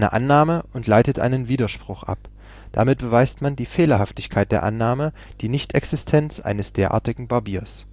Annahme und leiten einen Widerspruch ab. Damit beweisen wir die Fehlerhaftigkeit unserer Annahme, die Nichtexistenz eines derartigen Barbiers